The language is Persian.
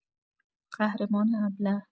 قهرمان ابله